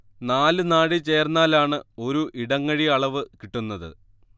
നാല് നാഴി ചേർന്നാലാണ് ഒരു ഇടങ്ങഴി അളവ് കിട്ടുന്നത്